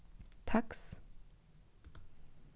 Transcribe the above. taks